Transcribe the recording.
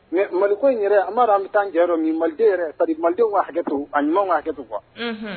Mɛ mali ko in yɛrɛ a ma an bɛ taa jɛ yɔrɔ min maliden yɛrɛdi malidenw ka hakɛ to a ɲuman ka hakɛ to kuwa